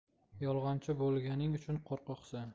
yolg'onchi bo'lganing uchun qo'rqoqsan